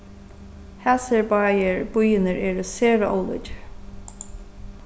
hasir báðir býirnir eru sera ólíkir